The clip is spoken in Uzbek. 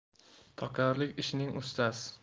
tokarlik ishining ustas